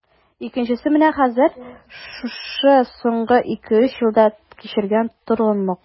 Икенчесе менә хәзер, шушы соңгы ике-өч елда кичергән торгынлык...